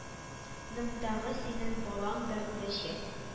Нымдагы синең балаң да үләчәк